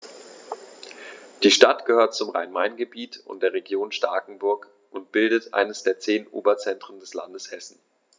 Die Stadt gehört zum Rhein-Main-Gebiet und der Region Starkenburg und bildet eines der zehn Oberzentren des Landes Hessen.